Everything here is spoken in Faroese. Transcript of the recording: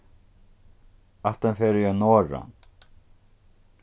ættin fer í ein norðan